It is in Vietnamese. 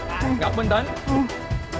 ngọc bình tĩnh